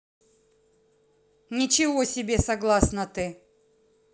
ничего себе согласнаты